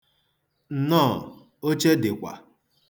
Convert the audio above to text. Nnọọ, oche dịkwa.